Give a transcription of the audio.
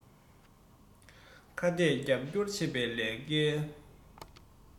ཁ གཏད རྒྱབ སྐྱོར བྱེད པའི ལས ཀའི